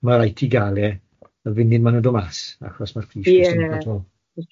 ma' raid ti ga'l e y funud ma' fe'n dod mas achos ma'r prisie syth drw'r to.